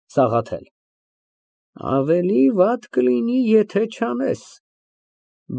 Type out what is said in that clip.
ՍԱՂԱԹԵԼ ֊ Ավելի վատ կլինի եթե չանես։